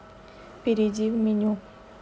перейди в меню